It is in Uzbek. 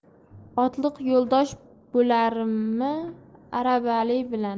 otliq yo'ldosh bo'larmi arbali bilan